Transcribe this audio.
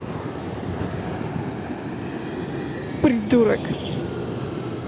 придурок